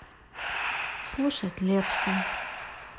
слушать лепса